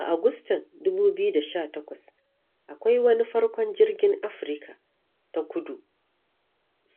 A Agustan 2018, a wani farkon jirgin Afirka ta Kudu